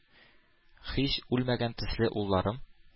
Һич үлмәгән төсле улларым,